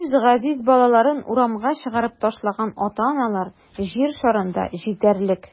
Үз газиз балаларын урамга чыгарып ташлаган ата-аналар җир шарында җитәрлек.